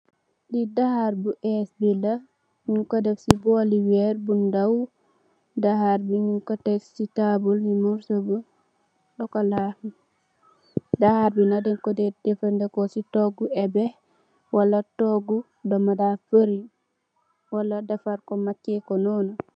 Lii daharr bu essbila ñinko deff si boli werr bu ndaw daharrbi ñinko teksi tabule bi mu socola daharrbi nak denkodeh jefandiko si togu ebbeh Wala togu Wala togu domoda faring Wala defarrko macheko nonu.